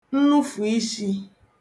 nnufụ̀isī